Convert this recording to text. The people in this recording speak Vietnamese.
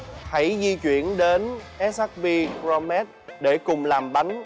hãy di chuyển đến ét hát bi bờ rô mét để cùng làm bánh